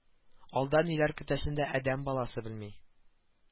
Алда ниләр көтәсен дә адәм баласы белми